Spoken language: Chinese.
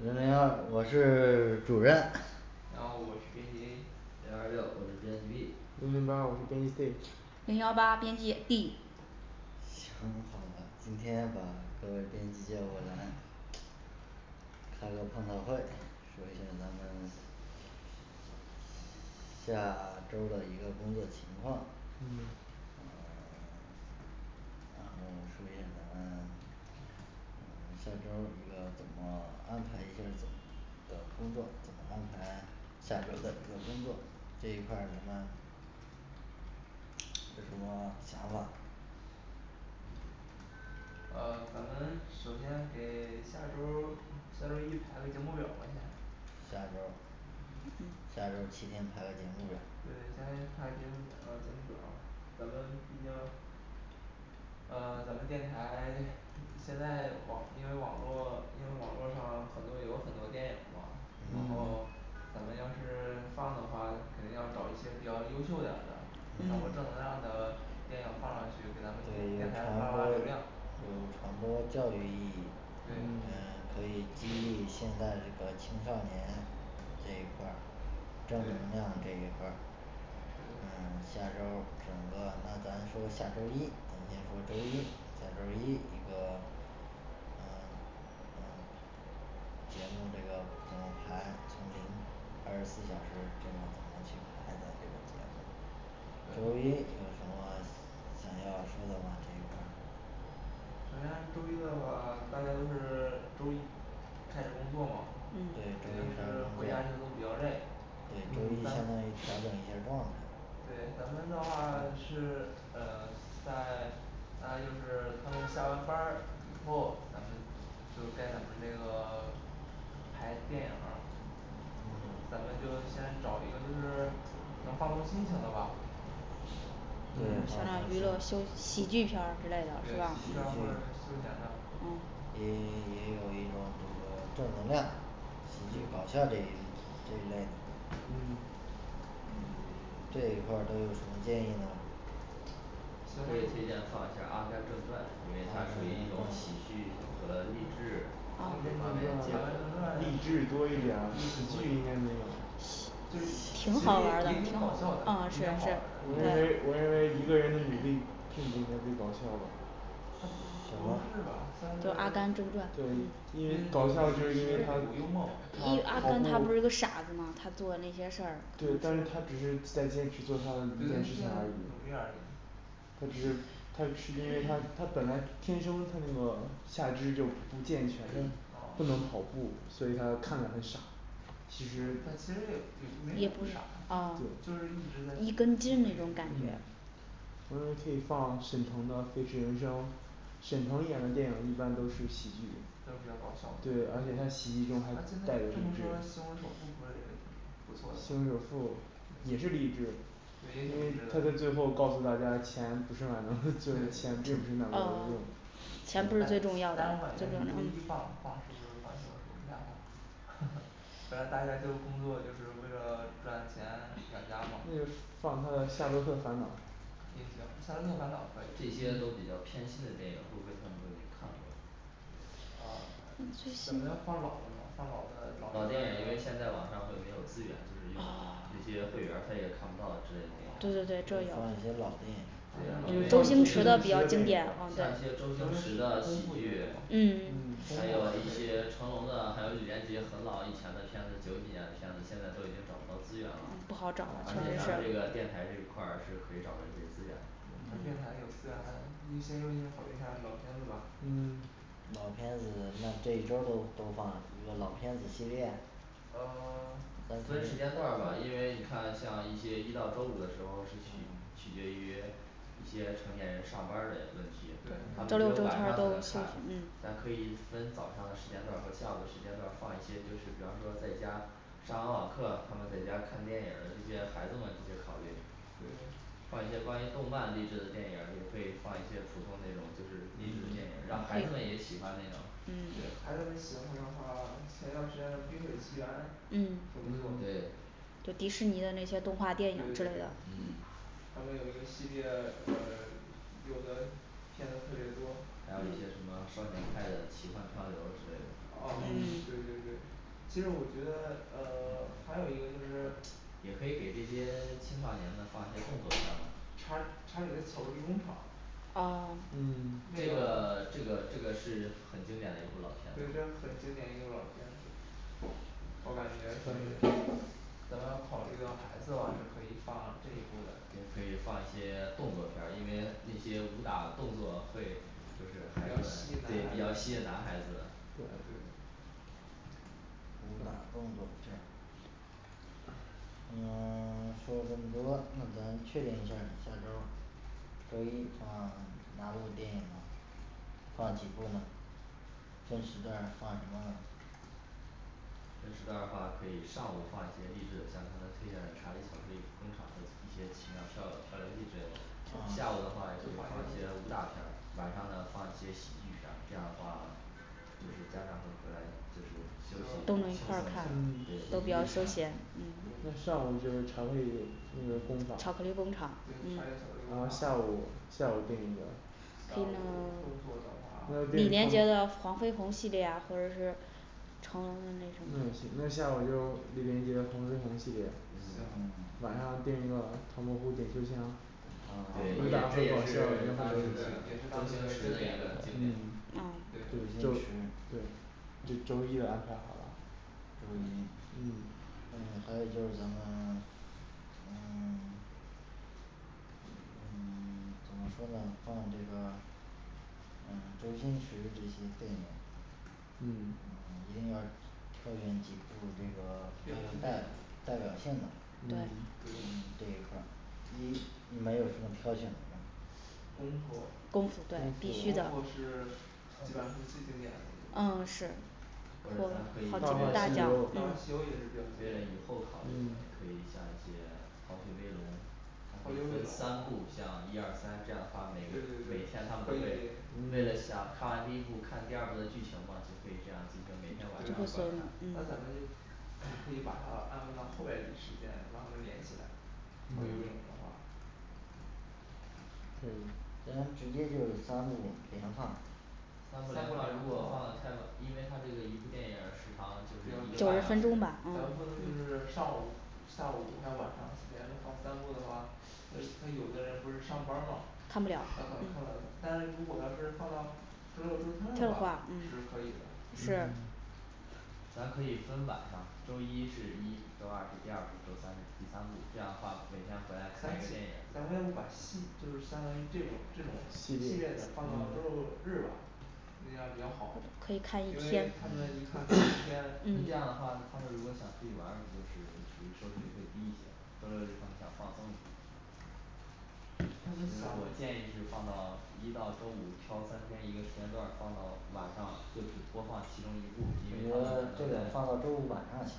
零零二我是 主任零二五我是编辑A 零二六我是编辑B 零零八我是编辑C 零幺八编辑D 行好的，今天把各位编辑叫过来开个碰头会说一下咱们下周的一个工作情况呃 嗯然后说下儿咱们嗯下周儿一个怎么安排一下儿怎的工作怎么安排下周儿的一个工作这一块儿咱们有什么想法？呃咱们首先给下周儿下周儿一排个节目表吧先下周儿下周儿七天排个节目表对儿，对，先来排节目表呃节目表儿。咱们毕竟呃咱们电台现在网因为网络因为网络上很多有很多电影嘛然嗯后咱们要是放的话，肯定要找一些比较优秀点儿的传播嗯正能量的电影放上去，给咱们电对电要台传拉播拉流量有传播教育意义，对嗯可以激励现在这个青少年这一块儿正能对量这一块儿对，嗯下周儿整个那咱说下周一咱先说周一下周儿一一个员工这个怎么排从零二十四小时这个怎么去排的这个节目，周对一有什么想要说的吗，这一块儿首先周一的话大家都是 周一开始工作嘛。对嗯周肯定是回一家开以始工作后都比较累对周一相当于调整一下儿状态对咱们的话是嗯在大概就是他们下完班儿以后，咱们就该咱们这个排电影儿咱们就先找一个就是能放松心情的吧对相当娱乐休喜剧片儿之类对，喜剧片儿或者的喜是吧剧休闲的嗯诶 也有一种这个正能量喜剧搞笑这一这一类的，嗯这一块儿都有什么建议呢可以推荐放下阿甘正阿甘传，因为正传它属于一种喜剧和励志阿甘阿正甘正传传励励志志多多一一点点儿喜剧应该儿没有就其实也挺也挺好搞玩儿笑的的，也挺挺好好嗯是是玩的我认为我认为一个人的努力并不应该被搞笑什吧他不么是吧，算就阿甘正是 传对因为因为搞笑就是因为他，幽默吗一他阿甘跑他不步是个，傻子吗他做的那些事儿对但是他只是再坚持做他的对一他件是事在而已努力而已他只是他只是因为他他本来天生他那个下肢就不健全他不哦能跑步所以他看着很傻其实他其实也也没那么傻就是就是一一直在根筋那种感觉我认为可以放沈腾的飞驰人生沈腾演的电影一般都是喜剧都是比较搞笑的对，而且他喜剧那中还现在带着，这么说西虹市首富不是也挺不西错的吗虹市首富也是励志的对也因挺为他励志的在最后告诉大家钱不是万能的 就是钱并不是那么有哦用钱但但是我感觉你周一不是最重要的放放是不是放西虹市首富不太好 本来大家就是工作就是为了赚钱养家嘛，那就放他的夏洛特烦恼也行，夏洛特烦恼可以这些都比较偏新的电影，会不会他们都已经看过了啊咱们放老的吗放老的老老的电，影因为现在网上会没有资源，就是用那些会员儿他也看不到之类对哦的电影对对放一些老电放一些影对呀，因为放周老周电影星星驰驰的的比电较经影典吧，像一嗯些周周星星驰驰的的功喜夫剧也功夫也嗯可还以有一些成龙的，还有李连杰很老以前的片子，九几年的片子现在都已经找不到资源了，不而好找他且咱们这是个电台这一块儿是可以找到一些资源的咱电台有资源嘞，优先优先考虑一下老片子吧嗯老片子的那这一周儿都都放一个老片子系列，嗯 分时间段儿吧，因为你看像一些一到周五的时候是取取决于一些成年人上班儿嘞问题对，他们只有晚上才能看，嗯咱可以分早上的时间段儿和下午的时间段儿放一些就是比方说在家上完网课，他们在家看电影儿的这些孩子们这些考虑。对放一些关于动漫励志的电影儿，也可以放一些普通那种就是励志的电影儿，让孩子们也喜欢那种对，孩子们喜欢的话，前一段儿时间的冰雪奇缘嗯就不错对对迪斯尼的那些动画电对影之对类对嗯他们有一个系列呃 有的片子特别多还有一些什么少年派的奇幻漂流之类的哦对对对其实我觉得呃 还有一个就是。也可以给这些青少年们放一些动作片儿嘛查查理的巧克力工厂哦嗯这个这个这个是很经典的一部老片对这子很经典的一部老片我感觉，咱们要考虑到孩子话是可以放这一步的，也可以放一些动作片儿，因为那些武打动作会就是还有对比比较较吸吸引引男孩子对男孩子对对武打动作片儿嗯 说这么多那咱确定一下儿，下周儿周一放哪部电影呢，放几部呢，分时段儿放什么呢分时段儿的话可以上午放一些励志的，像刚才推荐的查理巧克力工厂和一些奇妙漂流漂流记之类的，下午的啊话也可以放一些武打片儿，晚上呢放一些喜剧片儿，这样的话就是家长会回来就是休息轻都松能一一块儿下看对都比较休闲嗯那上午就是查理那个工坊巧克力工对查理的巧克力厂，然后工下厂午下午定一个下午动作的那话就李连电影杰的汤黄飞鸿系列啊或者是成龙那也行那下午就是李连杰的黄飞鸿系列嗯行，晚嗯上定一个唐伯虎点秋香对也这也是也是 当当时时周星的驰一的一个个经经典了典了哦周星驰对，这周一的安排好了周一现嗯在还有就是咱们嗯嗯放这个嗯周星驰的这些电影嗯，挑选几部这个代表性的嗯，对这个一你们有什么挑选的吗功夫功功夫夫对是基本上是最经典的嗯是或者咱大话西游，大可以为了话西游也是比较经为了典以后考虑嗯可以像一些逃学威龙它可以分三部像一二三，这样的话每个每天他们都会为了想看完第一步，看第二部的剧情嘛，就可以这样每天晚上观看咱们可以晚上按到后面一时间把它们连起来，没有没有的话对咱直接就三部给它放了，三部如果放的太晚，因为他这个一部电影时长就是一个九十分钟半咱吧小时嗯们不能就是上午下午还有晚上连着放三部的话，他他有的人不是上班儿吗？他看不不可了能看不到，但是如果要是放到周六周天的的话话是可以的，是嗯咱可以分晚上周一是一，周二是第二部周三第三部，这样的话每天回来咱看一个电咱影儿们要不把系就是相当于这个这种系系列列的放到周嗯六日吧那样比较好，可因以为他看们一一天 看那看一天这样的话，他们如果想出去玩儿，不就是属于收视率会低一些，周六日他们想放松一下。其实我建议是放到一到周五挑三天一个时间段儿，放到晚上就只播放其中一部，因我为他觉得们可这个放能在到周五晚上行